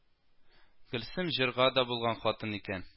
Гөлсем җырга да булган хатын икән